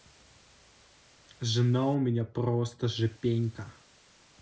жена у меня просто жопенька